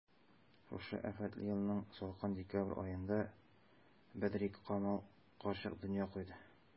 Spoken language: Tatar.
Шул афәтле елның салкын декабрь аенда Бәдрикамал карчык дөнья куйды.